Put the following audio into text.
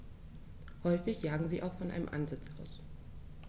Häufig jagen sie auch von einem Ansitz aus.